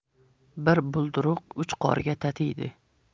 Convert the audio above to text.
bir bulduruq uch qorga tatiydi